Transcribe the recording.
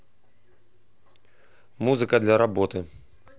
музыка для работы